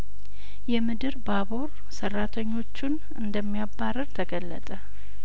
የምድር ባቡር ሰራተኞቹን እንደሚያባርር ተገለጠ